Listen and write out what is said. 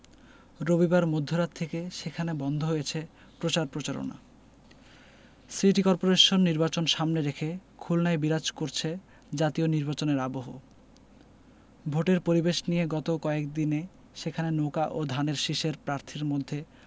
রবিবার মধ্যরাত থেকে সেখানে বন্ধ হয়েছে প্রচার প্রচারণা সিটি করপোরেশন নির্বাচন সামনে রেখে খুলনায় বিরাজ করছে জাতীয় নির্বাচনের আবহ ভোটের পরিবেশ নিয়ে গত কয়েক দিনে সেখানে নৌকা ও ধানের শীষের প্রার্থীর মধ্যে